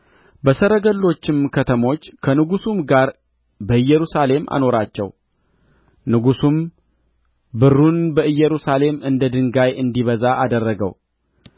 በሰረገሎችም ከተሞች ከንጉሡም ጋር በኢየሩሳሌም አኖራቸው ንጉሡም ብሩን በኢየሩሳሌም እንደ ድንጋይ እንዲበዛ አደረገው